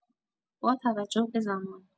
با توجه به زمان